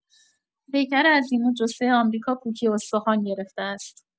پیکر عظیم‌الجثه آمریکا پوکی استخوان گرفته است.